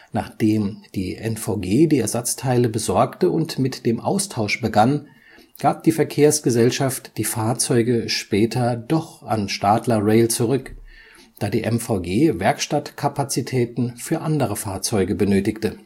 Nachdem die MVG die Ersatzteile besorgte und mit dem Austausch begann, gab die Verkehrsgesellschaft die Fahrzeuge später doch an Stadler Rail zurück, da die MVG Werkstattkapazitäten für andere Fahrzeuge benötigte